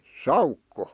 saukko